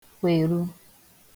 kwèru